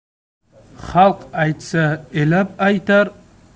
xalq aytsa elab aytar